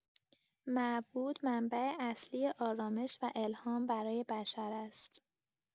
معبود منبع اصلی آرامش و الهام برای بشر است.